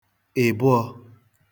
ị̀bụọ̄